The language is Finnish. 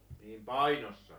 niin Painossa